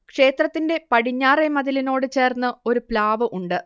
ക്ഷേത്രത്തിന്റെ പടിഞ്ഞാറെ മതിലിനോട് ചേർന്നു ഒരു പ്ലാവ് ഉണ്ട്